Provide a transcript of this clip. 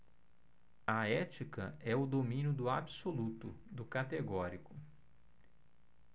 a ética é o domínio do absoluto do categórico